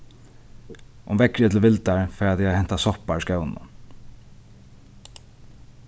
um veðrið er til vildar fara tey at henta soppar í skóginum